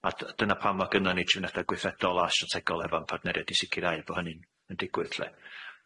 A dy- dyna pam ma' gynnon ni trefnada gweithredol a strategol hefo'n partneriad i sicirhau bo' hynny'n yn digwydd lly.